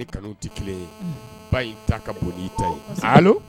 I kanuw tɛ kelen ye Ba in ta ka bon ni ta, allo